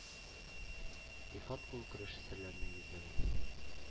Илфат кул көрәше серләренә йөзләгән